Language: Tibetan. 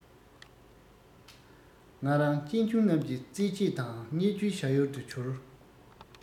ང རང གཅེན གཅུང རྣམས ཀྱི རྩེད ཆས དང བརྙས བཅོས བྱ ཡུལ དུ གྱུར